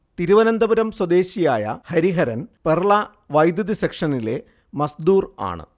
തിരുവനന്തപുരം സ്വദേശിയായ ഹരിഹരൻ പെർള വൈദ്യുതി സെക്ഷനിലെ മസ്ദൂർ ആണ്